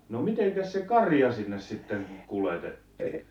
no mitenkäs se karja sinne sitten kuljetettiin